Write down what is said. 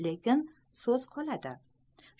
lekin soz qoladi